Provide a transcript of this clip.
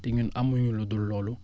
te ñun amu ñu lu dul loolu